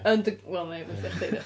Yn dy g- wel, neu, weithiau i chdi dio.